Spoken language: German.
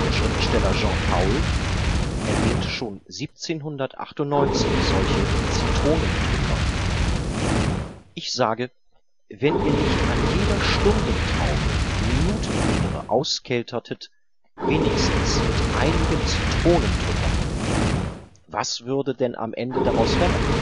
Schriftsteller Jean Paul erwähnt schon 1798 solche Zitronendrücker: „... ich sage, wenn ihr nicht an jeder Stundentraube die Minutenbeere auskeltertet wenigstens mit einigen Zitronendrückern ––– was würde denn am Ende daraus werden